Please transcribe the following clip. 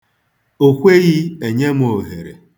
O kweghị enye m ohere